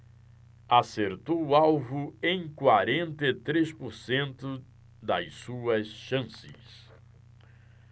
acertou o alvo em quarenta e três por cento das suas chances